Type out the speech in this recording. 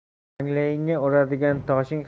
manglayingga uradigan toshing